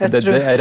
jeg tror.